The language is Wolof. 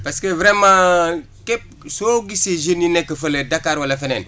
parce vraiment képp soo gisee jeunes yi nekk fële Dakar wala feneen